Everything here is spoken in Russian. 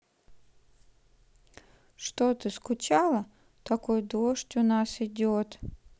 что ты скучала такой дождь у нас идет